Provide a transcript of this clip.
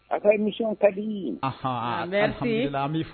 A ka émission ka di ɔnhɔn alihamidulila. An bi fo